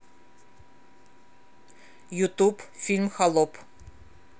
ютуб фильм холоп